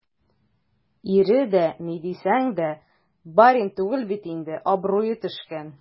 Ире дә, ни дисәң дә, барин түгел бит инде - абруе төшкән.